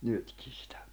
nytkin sitä